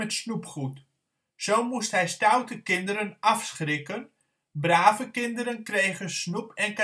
snoepgoed. Zo moest hij stoute kinderen afschrikken: brave kinderen kregen snoep en cadeautjes